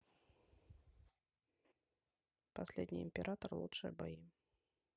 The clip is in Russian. последний император лучшие бои